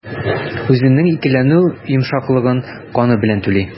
Үзенең икеләнү йомшаклыгын каны белән түли.